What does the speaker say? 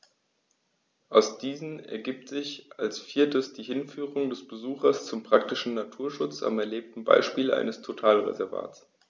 Aus diesen ergibt sich als viertes die Hinführung des Besuchers zum praktischen Naturschutz am erlebten Beispiel eines Totalreservats.